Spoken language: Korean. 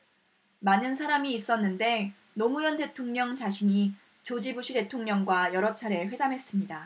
많은 사람이 있었는데 노무현 대통령 자신이 조지 부시 대통령과 여러 차례 회담했습니다